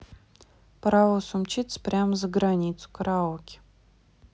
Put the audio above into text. паровоз умчится прямо на границу караоке